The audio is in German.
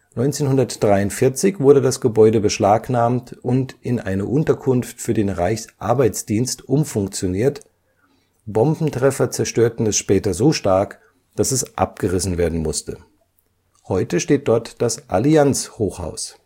1943 wurde das Gebäude beschlagnahmt und in eine Unterkunft für den Reichsarbeitsdienst umfunktioniert, Bombentreffer zerstörten es später so stark, dass es abgerissen werden musste. Heute steht dort das Allianz-Hochhaus